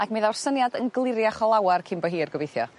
ac mi ddaw'r syniad yn gliriach o lawar cyn bo hir gobeithio.